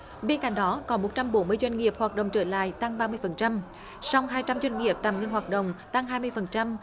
bên cạnh đó còn một trăm bốn mươi doanh nghiệp hoạt động trở lại tăng ba mươi phần trăm song hai trăm chuyên nghiệp tạm ngưng hợp đồng tăng hai mươi phần trăm